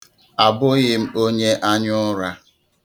Abụghị m onye anyaụra.